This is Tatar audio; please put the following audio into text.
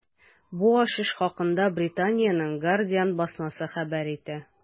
Бу ачыш хакында Британиянең “Гардиан” басмасы хәбәр итә.